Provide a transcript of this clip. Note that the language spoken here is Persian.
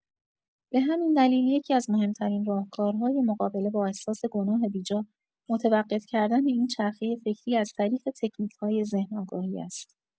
به همین دلیل، یکی‌از مهم‌ترین راهکارهای مقابله با احساس گناه بی‌جا، متوقف کردن این چرخۀ فکری از طریق تکنیک‌های ذهن‌آگاهی است.